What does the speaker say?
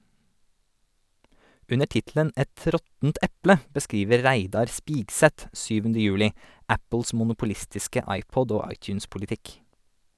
Under tittelen "Et råttent eple" beskriver Reidar Spigseth 7. juli Apples monopolistiske iPod- og iTunes-politikk.